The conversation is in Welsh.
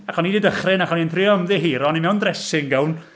Ac o'n i di dychryn, ac o'n i'n trio ymddiheuro, o'n i mewn dressing gown.